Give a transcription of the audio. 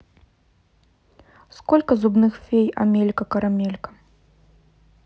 сколько зубных фей амелька карамелька